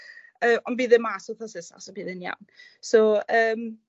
yy ond bydd e mas wthnos so bydd e'n iawn. So yym